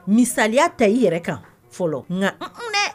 Misaliya ta i yɛrɛ kan fɔlɔ , nka un un dɛ